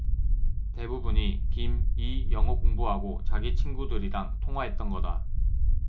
대부분이 김 이 영어공부하고 자기 친구들이랑 통화했던 거다